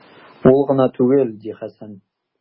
Ул гына түгел, - ди Хәсән.